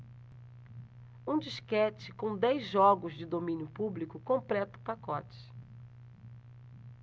um disquete com dez jogos de domínio público completa o pacote